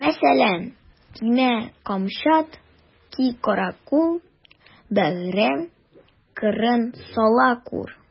Мәсәлән: Кимә камчат, ки каракүл, бәгърем, кырын сала күр.